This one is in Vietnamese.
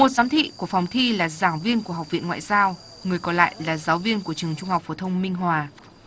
một giám thị của phòng thi là giảng viên của học viện ngoại giao người còn lại là giáo viên của trường trung học phổ thông minh hòa